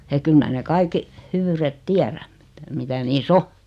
että kyllä minä ne kaikki hyvyydet tiedän mitä mitä niissä on